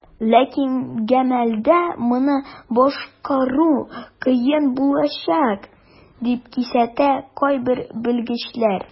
Ләкин гамәлдә моны башкару кыен булачак, дип кисәтә кайбер белгечләр.